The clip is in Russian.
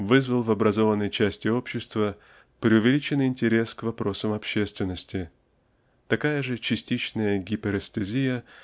вызвал в образованной части общества преувеличенный интерес к вопросам общественности такая же частичная гиперестезия